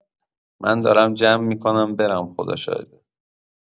من دارم جمع می‌کنم برم خدا شاهده.